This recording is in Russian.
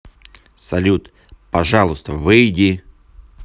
салют пожалуйста выйди